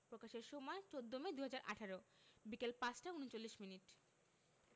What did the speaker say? প্রকাশের সময় ১৪মে ২০১৮ বিকেল ৫টা ৩৯ মিনিট